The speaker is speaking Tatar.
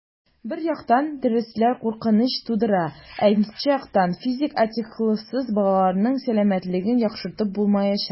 Бер яктан, дәресләр куркыныч тудыра, ә икенче яктан - физик активлыксыз балаларның сәламәтлеген яхшыртып булмаячак.